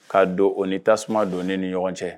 K ka don o ni tasuma don ni ni ɲɔgɔn cɛ